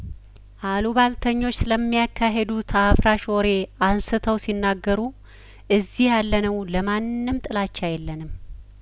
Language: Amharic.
አሉባልተኞች ስለሚ ያካሂዱት አፍራሽ ወሬ አንስተው ሲናገሩ እዚህ ያለነው ለማንም ጥላቻ የለንም